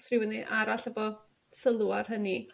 'S rhywun e- arall efo sylw ar hynny?